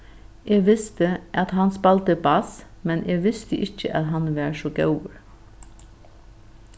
eg visti at hann spældi bass men eg visti ikki at hann var so góður